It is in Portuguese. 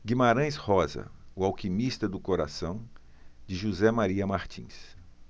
guimarães rosa o alquimista do coração de josé maria martins